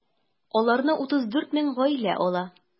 Аларны 34 мең гаилә ала.